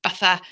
Fatha...